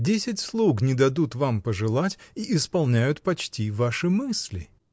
Десять слуг не дадут вам пожелать и исполняют почти ваши мысли.